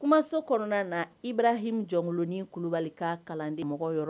Kumaso kɔnɔna na irahi jɔkolonin ku kulubalibali ka kalandi mɔgɔ yɔrɔ